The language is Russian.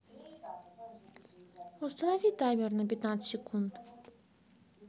установи таймер на пятнадцать секунд